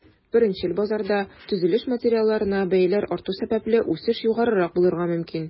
Беренчел базарда, төзелеш материалларына бәяләр арту сәбәпле, үсеш югарырак булырга мөмкин.